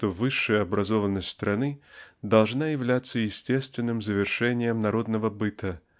что высшая образованность страны должна являться естественным завершением народного быта.